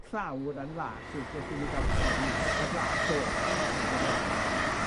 clawr yn las jyst i mi ga'l profi ma' glas o'dd o de, mewn gwirionedd.